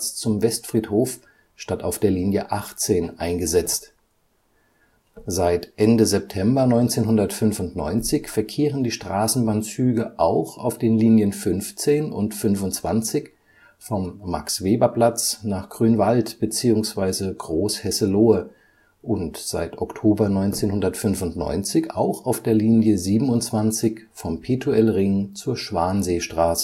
zum Westfriedhof statt auf der Linie 18 eingesetzt. Seit Ende September 1995 verkehren die Straßenbahnzüge auch auf den Linien 15 und 25 vom Max-Weber-Platz nach Grünwald bzw. Großhesselohe und seit Oktober 1995 auch auf der Linie 27 vom Petuelring zur Schwanseestraße